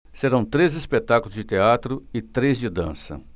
serão três espetáculos de teatro e três de dança